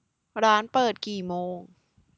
ร้านเปิดกี่โมง